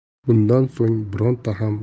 bundan so'ng bironta ham